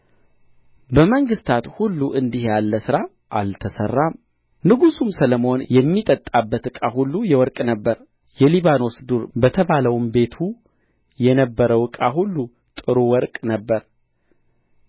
በመንግሥታት ሁሉ እንዲህ ያለ ሥራ አልተሠራም ንጉሡም ሰሎሞን የሚጠጣበት ዕቃ ሁሉ የወርቅ ነበረ የሊባኖስ ዱር በተባለውም ቤቱ የነበረው ዕቃ ሁሉ ጥሩ ወርቅ ነበረ